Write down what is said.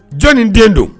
Jɔnni den don